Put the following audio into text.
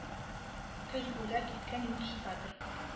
Көч бүләк иткән могҗизадыр